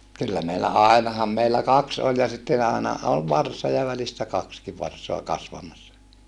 kyllä meillä ainahan meillä kaksi oli ja sitten aina oli varsa ja välistä kaksikin varsaa kasvamassa